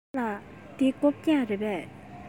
ཉི མ ལགས འདི རྐུབ བཀྱག རེད པས